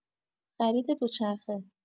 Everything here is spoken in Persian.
خرید دوچرخه